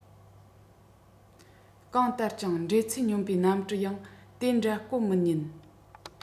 གང ལྟར ཀྱང འགྲོས ཚད སྙོམ པའི གནམ གྲུ ཡང དེ འདྲ བཀོད མི ཉན